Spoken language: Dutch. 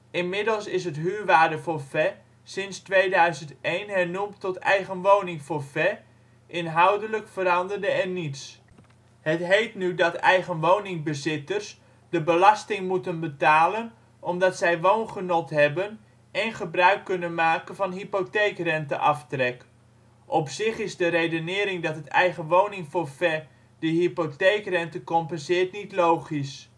Inmiddels is het ' huurwaardeforfait ' sinds 2001 hernoemd tot ' eigenwoningforfait ', inhoudelijk veranderde er niets. Het heet nu dat eigenwoningbezitters de belasting moeten betalen omdat zij woongenot hebben én gebruik kunnen maken van hypotheekrenteaftrek. Op zich is de redenering dat het eigenwoningenforfait de hypotheekrente compenseert niet logisch